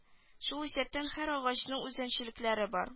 Шул исәптән һәр агачның үзенчәлекләре бар